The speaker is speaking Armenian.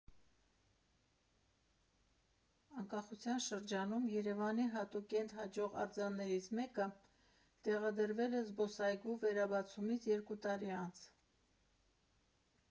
Անկախության շրջանում Երևանի հատուկենտ հաջող արձաններից մեկը տեղադրվել է զբոսայգու վերաբացումից երկու տարի անց։